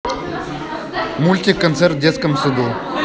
мультик концерт в детском саду